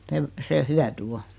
- se hyöty on